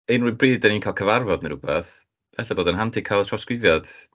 Unrhyw bryd dan ni'n cael cyfarfod neu rywbeth ella bod o'n handi cael y trawsgrifiad.